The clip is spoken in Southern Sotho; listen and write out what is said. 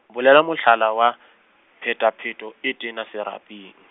bolela mohlala wa, phetapheto e teng serapeng.